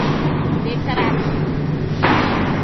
Lii karaateelaa .